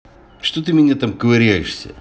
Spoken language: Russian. что ты меня там ковыряешься